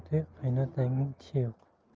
tuy qaynotangning tishi yo'q